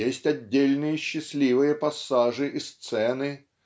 есть отдельные счастливые пассажи и сцены